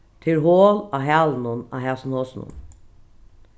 tað er hol á hælunum á hasum hosunum